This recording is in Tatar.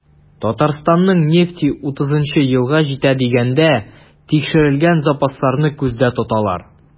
Татарстанның нефте 30 елга җитә дигәндә, тикшерелгән запасларны күздә тоталар.